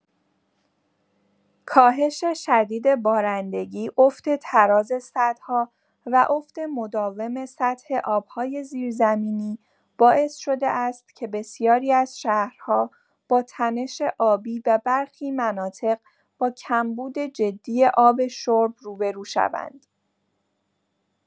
کاهش شدید بارندگی، افت تراز سدها و افت مداوم سطح آب‌های زیرزمینی باعث شده است که بسیاری از شهرها با تنش آبی و برخی مناطق با کمبود جدی آب شرب روبه‌رو شوند.